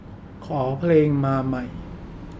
ขอเพลงมาใหม่